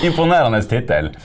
imponerende tittel.